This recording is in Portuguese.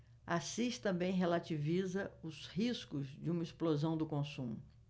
assis também relativiza os riscos de uma explosão do consumo